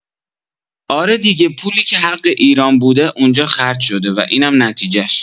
آره دیگه پولی که حق ایران بوده اونجا خرج شده و اینم نتیجش